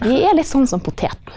vi er litt sånn som poteten.